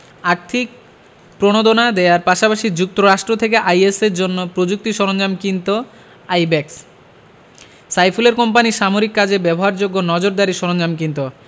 আর্থিক প্রণোদনা দেওয়ার পাশাপাশি যুক্তরাষ্ট থেকে আইএসের জন্য প্রযুক্তি সরঞ্জাম কিনত আইব্যাকস সাইফুলের কোম্পানি সামরিক কাজে ব্যবহারযোগ্য নজরদারি সরঞ্জাম কিনত